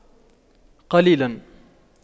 قليلا